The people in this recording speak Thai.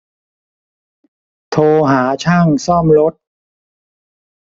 โทรหาช่างซ่อมรถ